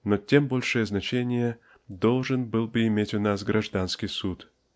Но тем большее значение должен был бы иметь у нас гражданский суд.